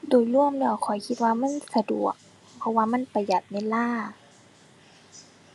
โดยรวมแล้วข้อยคิดว่ามันสะดวก เพราะว่ามันประหยัดเวลา